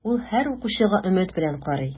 Ул һәр укучыга өмет белән карый.